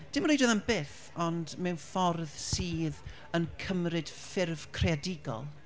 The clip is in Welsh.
Dim o reidrwydd am byth ond mewn ffordd sydd yn cymryd ffurf creadigol.